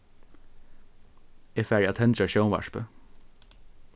eg fari at tendra sjónvarpið